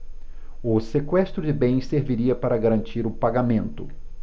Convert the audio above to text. o sequestro de bens serviria para garantir o pagamento